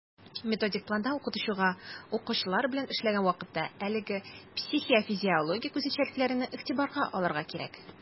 Методик планда укытучыга, укучылар белән эшләгән вакытта, әлеге психофизиологик үзенчәлекләрне игътибарга алырга кирәк.